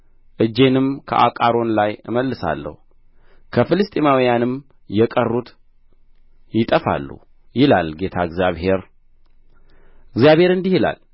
እጄንም በአቃሮን ላይ እመልሳለሁ ከፍልስጥኤማውያንም የቀሩት ይጠፋሉ ይላል ጌታ እግዚአብሔር እግዚአብሔር እንዲህ ይላል